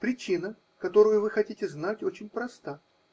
Причина, которую вы хотите знать, очень проста.